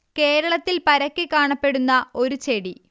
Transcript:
കേരളത്തിൽ പരക്കെ കാണപ്പെടുന്ന ഒരു ചെടി